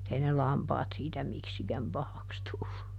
mutta ei ne lampaat siitä miksikään pahaksi tullut